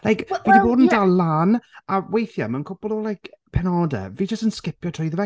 Like, fi 'di bod yn dal lan, a weithiau mewn cwpl o, like, pennodau, fi jyst yn scipio drwyddo fe...